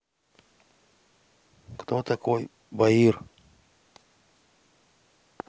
кто такой боир